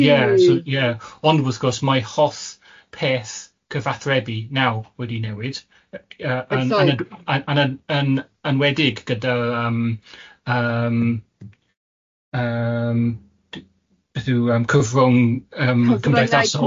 Ie so ie ond wrth gwrs mae hoff peth cyfathrebu naw wedi newid yy yn... Hollol. ...yn yn yn yn enwedig gyda yym yym d- beth yw yym cyfrwng yym cymdeithasol.